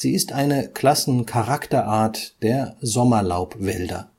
ist eine Klassencharakterart der Sommerlaubwälder